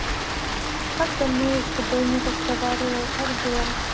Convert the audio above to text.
как давно я с тобой не разговаривал как дела